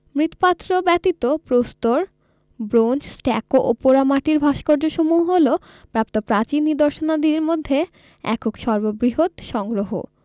মৃৎপাত্র ব্যতীত প্রস্তর bronze stucco ও পোড়ামাটির ভাস্কর্যসমূহ হলো প্রাপ্ত প্রাচীন নিদর্শনাদির মধ্যে একক সর্ববৃহৎ সংগ্রহ